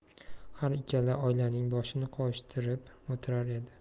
har ikkala oilaning boshini qovushtirib o'tirar edi